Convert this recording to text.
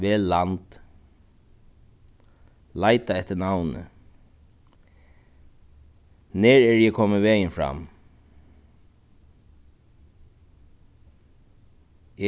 vel land leita eftir navni nær eri eg komin vegin fram